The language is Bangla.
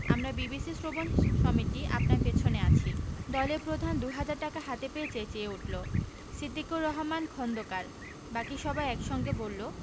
আমরা বিবিসি শ্রবণ সমিতি আপনার পেছনে আছি দলের প্রধান দু'হাজার টাকা হাতে পেয়ে চেঁচিয়ে ওঠল সিদ্দিকুর রহমান খোন্দকার বাকি সবাই এক সঙ্গে বলল